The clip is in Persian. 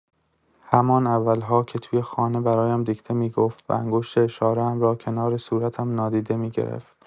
همان اول‌ها که توی خانه برایم دیکته می‌گفت و انگشت اشاره‌ام را کنار صورتم نادیده می‌گرفت.